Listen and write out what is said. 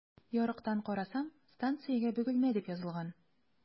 Ярыктан карасам, станциягә “Бөгелмә” дип язылган.